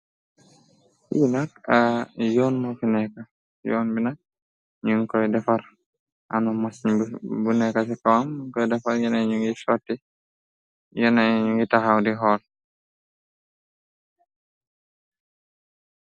yinak a yoon mofi neeka yoon binak ñuñ koy defar am masñ bu nekka ci kawam nun koy defar yenay ñu ngi shotti yenay ngi taxaw di xool.